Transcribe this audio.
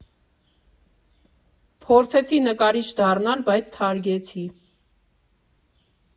Փորձեցի նկարիչ դառնալ, բայց թարգեցի։